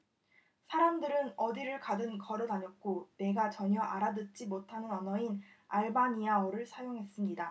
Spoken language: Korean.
사람들은 어디를 가든 걸어 다녔고 내가 전혀 알아듣지 못하는 언어인 알바니아어를 사용했습니다